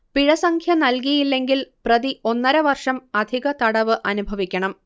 പിഴസംഖ്യ നൽകിയില്ലെങ്കിൽ പ്രതി ഒന്നരവർഷം അധിക തടവ് അനുഭവിക്കണം